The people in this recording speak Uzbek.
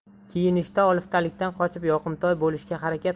kiyinishda oliftalikdan qochib yoqimtoy bo'lishga harakat